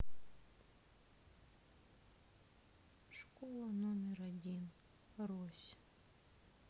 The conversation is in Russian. школа номер один рось